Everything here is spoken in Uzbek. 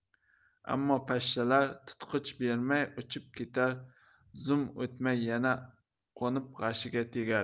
ammo pashshalar tutqich bermay uchib ketar zum o'tmay yana qo'nib g'ashiga tegardi